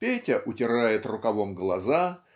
Петя утирает рукавом глаза